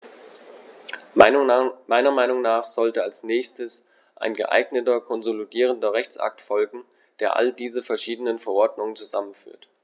Meiner Meinung nach sollte als nächstes ein geeigneter konsolidierender Rechtsakt folgen, der all diese verschiedenen Verordnungen zusammenführt.